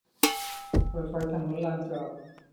เปิดไฟถนนลานจอด